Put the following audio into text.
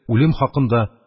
Үлем хакында,